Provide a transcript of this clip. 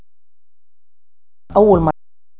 اول